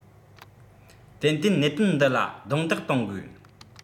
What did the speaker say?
ཏན ཏན གནད དོན འདི ལ རྡུང རྡེག གཏོང དགོས